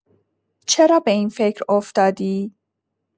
چرا به این فکر افتادی؟